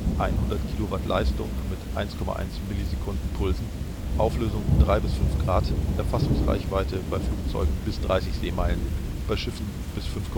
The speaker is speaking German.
100 kW Leistung mit 1,1 ms Pulsen, Auflösung 3-5 Grad, Erfassungsreichweite bei Flugzeugen bis 30 Seemeilen, bei Schiffen bis 5,5